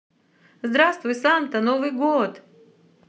здравствуй санта новый год